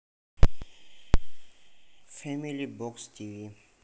фэмили бокс тиви